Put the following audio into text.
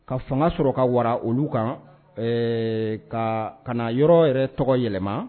Ka fanga sɔrɔ ka wara olu kan . Ɛɛ ka na yɔrɔ yɛrɛ tɔgɔ yɛlɛma.